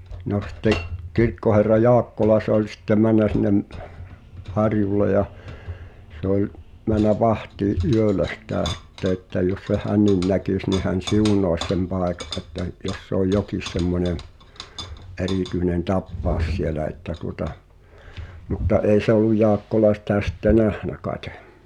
no sitten kirkkoherra Jaakkola se oli sitten mennyt sinne harjulle ja se oli mennyt vahtiin yöllä sitä sitten että jos sen hänkin näkisi niin hän siunaisi sen paikan että - jos se oli jokin semmoinen erityinen tapaus siellä että tuota mutta ei se ollut Jaakkola sitä sitten nähnyt kai